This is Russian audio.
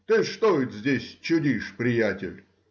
— Ты что это здесь чудишь, приятель?